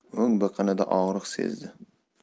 o'ng biqinida og'riq sezdi